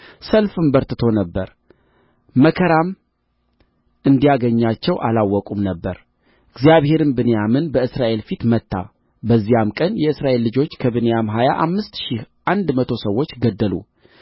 ሰልፍም በርትቶ ነበር መከራም እንዲያገኛቸው አላወቁም ነበር እግዚአብሔርም ብንያምን በእስራኤል ፊት መታ በዚያም ቀን የእስራኤል ልጆች ከብንያም ሀያ አምስት ሺህ አንድ መቶ ሰዎች ገደሉ